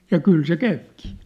ja kyllä se käykin